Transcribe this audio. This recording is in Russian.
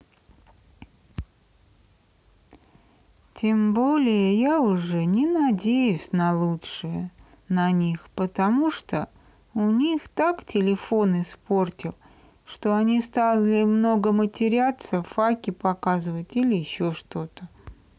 тем более я уже не надеюсь на лучшее на них потому что у них так телефон испортил что они стали много матеряться факи показывать или еще что то